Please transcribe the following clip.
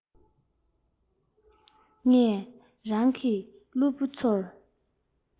ངས རང གི སློབ བུ ཚོར